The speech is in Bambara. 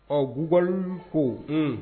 Ɔ google kow, unhun